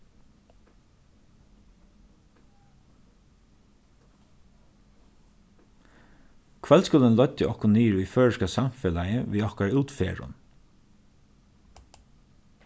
kvøldskúlin leiddi okkum niður í føroyska samfelagið við okkara útferðum